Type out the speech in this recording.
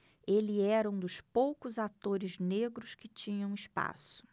ele era um dos poucos atores negros que tinham espaço